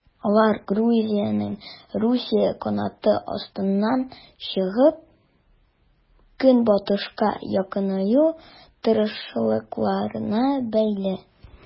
Алар Грузиянең Русия канаты астыннан чыгып, Көнбатышка якынаю тырышлыкларына бәйле.